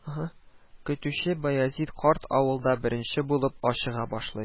Көтүче Баязит карт авылда беренче булып ачыга башлый